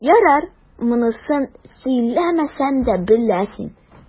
Ярар, монысын сөйләмәсәм дә беләсең.